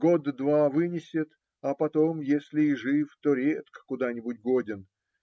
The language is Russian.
год-два вынесет, а потом если и жив, то редко куда-нибудь годен.